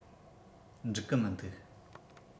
འགྲིག གི མི འདུག